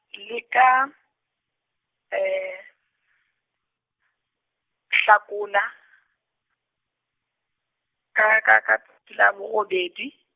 le ka , Hlakola, ka ka ka -tsi la borobedi.